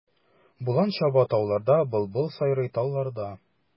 Болан чаба тауларда, былбыл сайрый талларда.